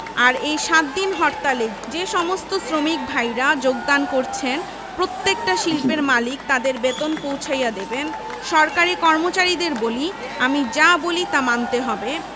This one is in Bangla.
আর এই সাতদিন হরতালে যে সমস্ত শ্রমিক ভাইরা যোগদান করছেন প্রত্যেকটা শিল্পের মালিক তাদের বেতন পৌঁছাইয়া দেবেন সরকারি কর্মচারীদের বলি আমি যা বলি তা মানতে হবে